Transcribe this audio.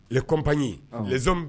lekp ye lezon